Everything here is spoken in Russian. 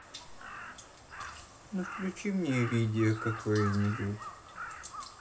ну включи мне видео какое нибудь